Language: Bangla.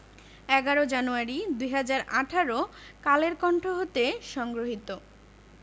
১১ জানুয়ারি ২০১৮ কালের কন্ঠ হতে সংগৃহীত